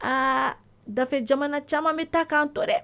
Aa dafe jamana caman bɛ taa kan to dɛ